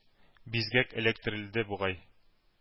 Бизгәк эләктерелде бугай,